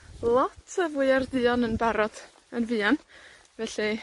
lot o fwyar duon yn barod yn fuan, felly,